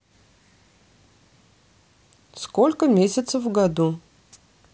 сколько месяцев в году